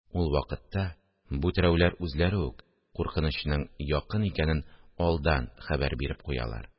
Ул вакытта бу терәүләр үзләре үк куркынычның якын икәнен алдан хәбәр биреп куялар